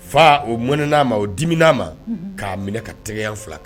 Fa o mɔnɛn',a ma o dimin'a ma k'a minɛ ka tɛgɛ yan 2 k'a la!